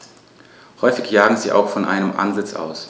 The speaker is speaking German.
Häufig jagen sie auch von einem Ansitz aus.